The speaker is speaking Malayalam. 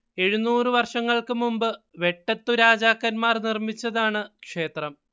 എഴുന്നൂറ് വർഷങ്ങൾക്കു മുമ്പ് വെട്ടത്തു രാജാക്കൻമാർ നിർമ്മിച്ചതാണ് ക്ഷേത്രം